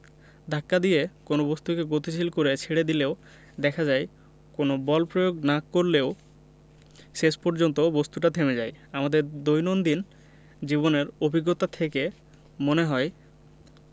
ধাক্কা দিয়ে কোনো বস্তুকে গতিশীল করে ছেড়ে দিলেও দেখা যায় কোনো বল প্রয়োগ না করলেও শেষ পর্যন্ত বস্তুটা থেমে যায় আমাদের দৈনন্দিন জীবনের অভিজ্ঞতা থেকে মনে হয়